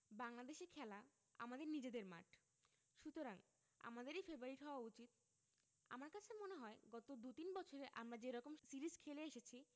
বাংলাদেশে খেলা আমাদের নিজেদের মাঠ সুতরাং আমাদেরই ফেবারিট হওয়া উচিত আমার কাছে মনে হয় গত দু তিন বছরে আমরা যে রকম সিরিজ খেলে এসেছি